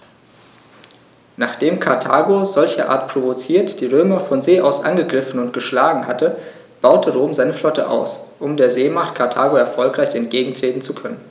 Nachdem Karthago, solcherart provoziert, die Römer von See aus angegriffen und geschlagen hatte, baute Rom seine Flotte aus, um der Seemacht Karthago erfolgreich entgegentreten zu können.